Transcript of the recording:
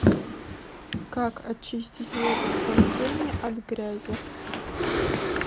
как очистить воду в бассейне от грязи